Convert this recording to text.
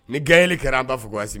Ni gɛlɛyali kɛra an b'a fɔ ayi